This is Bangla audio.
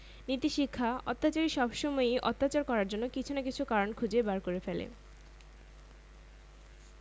নীতিশিক্ষাঃ অত্যাচারী সবসময়ই অত্যাচার করার জন্য কিছু না কিছু কারণ খুঁজে বার করে ফেলে